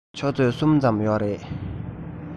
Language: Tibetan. ཆུ ཚོད གསུམ ཙམ ཡོད རེད